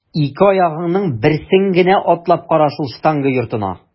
Ике аягыңның берсен генә атлап кара шул штанга йортына!